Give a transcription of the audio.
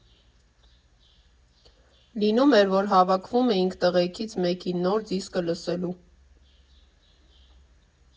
Լինում էր, որ հավաքվում էինք տղեքից մեկի նոր դիսկը լսելու։